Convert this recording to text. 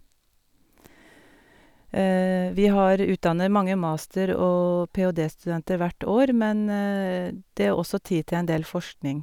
Vi har utdanner mange master- og PhD-studenter hvert år, men det er også tid til en del forskning.